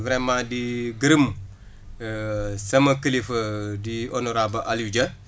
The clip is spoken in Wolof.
vraiment di gërëm sama kilifa di honorable aliou Dai